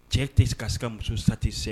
Cɛ te se ka se ka muso satisfait